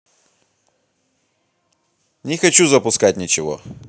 не хочу запускать ничего